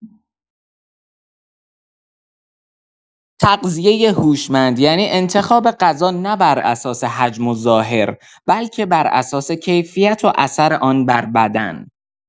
تغذیه هوشمند یعنی انتخاب غذا نه بر اساس حجم و ظاهر، بلکه بر اساس کیفیت و اثر آن بر بدن.